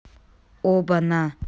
оба на